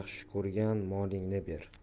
yaxshi ko'rgan molingni ber